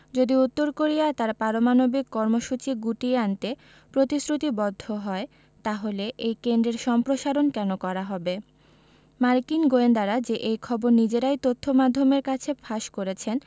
যদি উত্তর কোরিয়া তার পারমাণবিক কর্মসূচি গুটিয়ে আনতে প্রতিশ্রুতিবদ্ধ হয় তাহলে এই কেন্দ্রের সম্প্রসারণ কেন করা হবে মার্কিন গোয়েন্দারা যে এই খবর নিজেরাই তথ্যমাধ্যমের কাছে ফাঁস করেছেন